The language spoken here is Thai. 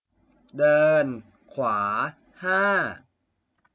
เดินขวาห้า